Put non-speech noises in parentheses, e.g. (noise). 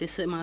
(hesitation) (hesitation)